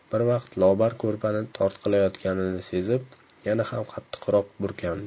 bir vaqt lobar ko'rpani tortqilayotganini sezib yana ham qatliqroq burkandi